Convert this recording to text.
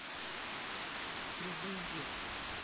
вы выйди